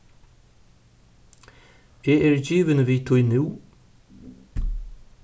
eg eri givin við tí nú